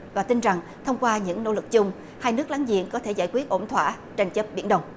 và tin rằng thông qua những nỗ lực chung hai nước láng giềng có thể giải quyết ổn thỏa tranh chấp biển đông